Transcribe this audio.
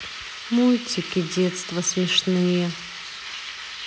мультики детства смешные